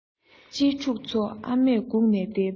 གཅེས ཕྲུག ཚོ ཨ མས སྒུག ནས བསྡད འདུག